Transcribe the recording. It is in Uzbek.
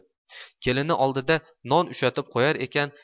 kelini oldiga non ushatib qo'yar ekan